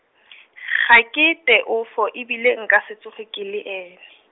ga ke Teofo e bile nka se tsoge ke le ene.